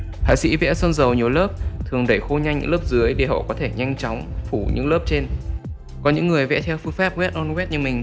họa sỹ vẽ sơn dầu nhiều lớp thường đấy khô nhanh những lớp dưới để họ có thể nhanh chóng phủ sơn những lớp trên còn những người vẽ theo phương pahsp wet on wet như mình